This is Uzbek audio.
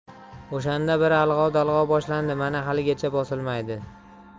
o'shanda bir alg'ov dalg'ov boshlandi mana haligacha bosilmaydi